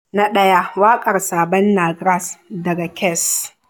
1. "Waƙar Saɓannah Grass" daga Kes